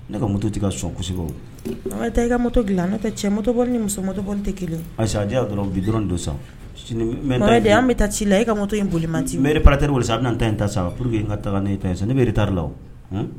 Ne ka moto tɛ ka sɔn kosɛbɛ. Ta e ka moto dilan. Cɛmoto ni muso mɔto tɛ kelen ye , ayisa a di yan sa bi dɔrɔnw don, sini nnbɛ ta in dila. Baraji an bɛ taa ci la , e ka moto in boli mandi, bɛ taa in ta , n bɛ reparateur weele sa a bɛna ne ta in ta sa pour que nka n'e ta ye, ne bɛ retard la, unn.